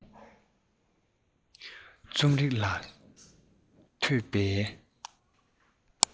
རྩོམ རིག ལ ཐོས པའི